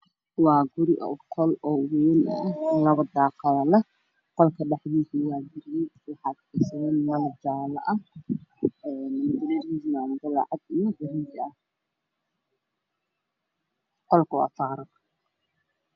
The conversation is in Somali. Waa qol ka waa mutuel darbiyada waa caddaan daaqadaha way furan yihiin qolka waa caddaan iyo cad